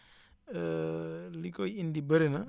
li koy indi bëri na